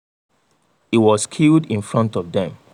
He was killed in front of them.